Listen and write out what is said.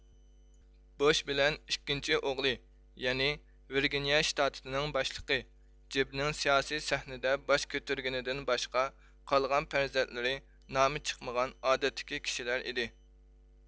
بۇش بىلەن ئىككىنچى ئوغلى يەنى ۋېرگىنىيە شتاتىنىڭ باشلىقى جېبنىڭ سىياسىي سەھنىدە باش كۆتۈرگىنىدىن باشقا قالغان پەرزەنتلىرى نامى چىقمىغان ئادەتتىكى كىشىلەر ئىدى